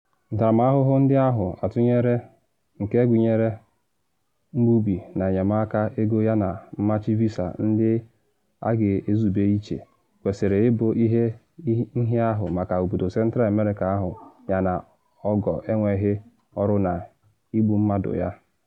Ntaramahụhụ ndị ahụ atụnyere, nke gụnyere mgbubi n’enyemaka ego yana mmachi visa ndị a ga-ezube iche, kwesịrị ịbụ ihe nhịahụ maka obodo Central America ahụ yana ogo enweghị ọrụ na igbu mmadụ ya.